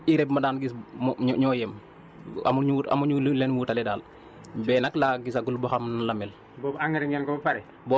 waaw boobu moom moog moog urée bi ma daan gis moo ñoo yem amuñu amuñu lu leen wutale daal bee nag laa gisagul ba xam nan la mel